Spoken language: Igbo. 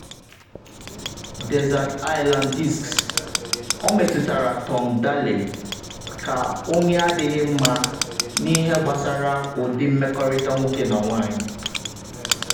Desert Island Discs: Ọ metụtara Tom Daley ka “onye adịghị mma “ n’ihe gbasara ụdị mmekọrịta nwoke na nwanyị